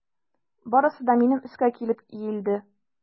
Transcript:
Барысы да минем өскә килеп иелде.